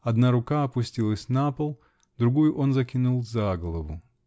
одна рука опустилась на пол, другую он закинул за голову.